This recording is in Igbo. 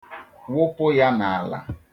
Wụpụ ya n'ala.